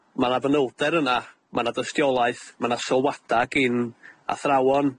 Ma' 'na fanylder yna, ma' 'na dystiolaeth, ma' 'na sylwada' gin athrawon.